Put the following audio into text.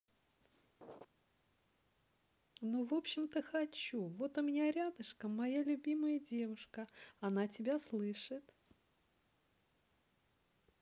ну в общем то хочу вот у меня рядышком моя любимая девушка она тебя слышит